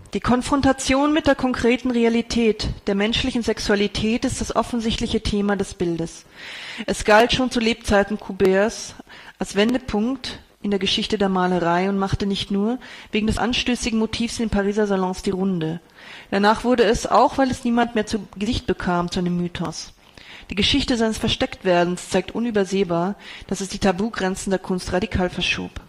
Konfrontation mit der konkreten Realität der menschlichen Sexualität ist das offensichtliche Thema des Bildes. Es galt schon zu Lebzeiten Courbets als Wendepunkt in der Geschichte der Malerei und machte nicht nur wegen des anstößigen Motivs in den Pariser Salons die Runde. Danach wurde es – auch weil es niemand mehr zu Gesicht bekam – zu einem Mythos. Die Geschichte seines Verstecktwerdens zeigt unübersehbar, dass es die Tabugrenzen der Kunst radikal verschob